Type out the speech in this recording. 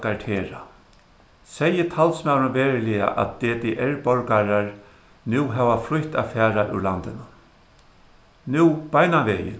gartera segði talsmaðurin veruliga at ddr-borgarar nú hava frítt at fara úr landinum nú beinanvegin